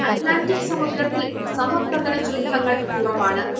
Atlantic സമുദ്രത്തിൽ സമപ്രതലശൃംഖങ്ങൾ കുറവാണ്